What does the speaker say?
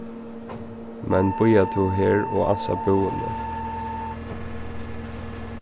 men bíða tú her og ansa búðini